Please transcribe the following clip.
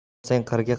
mehnat qilsang qirga